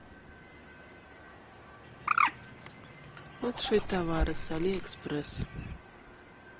лучшие товары с алиэкспресс